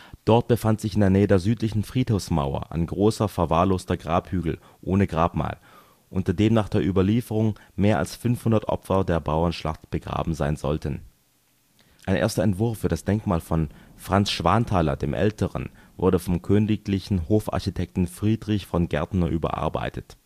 Dort befand sich in der Nähe der südlichen Friedhofsmauer ein großer, verwahrloster Grabhügel ohne Grabmal, unter dem nach der Überlieferung mehr als 500 Opfer der Bauernschlacht begraben sein sollten. Ein erster Entwurf für das Denkmal von Franz Schwanthaler dem Älteren wurde vom königlichen Hofarchitekten Friedrich von Gärtner überarbeitet